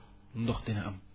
ndox dina am